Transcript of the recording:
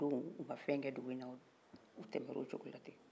o don u ma fɛ kɛ dugula u tɛmɛr'o coko la ten